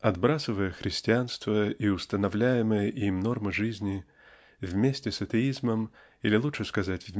Отбрасывая христианство и установляемые им нормы жизни вместе с атеизмом или лучше оказать